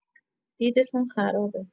دیدتون خرابه.